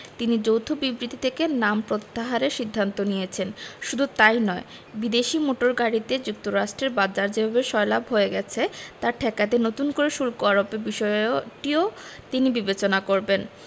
তিনি যৌথ বিবৃতি থেকে নাম প্রত্যাহারের সিদ্ধান্ত নিয়েছেন শুধু তা ই নয় বিদেশি মোটর গাড়িতে যুক্তরাষ্ট্রের বাজার যেভাবে সয়লাব হয়ে গেছে তা ঠেকাতে নতুন করে শুল্ক আরোপের বিষয়টিও তিনি বিবেচনা করবেন